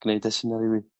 gneud e's hynna rili.